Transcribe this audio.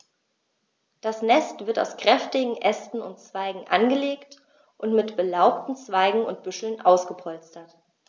Das Nest wird aus kräftigen Ästen und Zweigen angelegt und mit belaubten Zweigen und Büscheln ausgepolstert.